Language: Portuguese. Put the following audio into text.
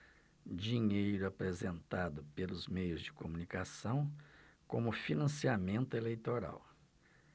dinheiro apresentado pelos meios de comunicação como financiamento eleitoral